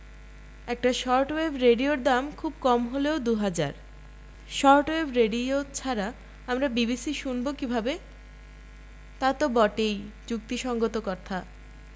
একটা short wave রেডিওর দাম খুব কম হলেও দু হাজার শর্ট ওয়েভ রেডিও ছাড়া আমরা বিবিসি শুনব কিভাবে তা তো বটেই যুক্তিসংগত কথা